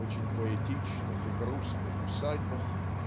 очень поэтичных и грустных усадьбах